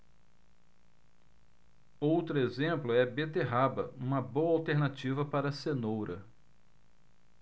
outro exemplo é a beterraba uma boa alternativa para a cenoura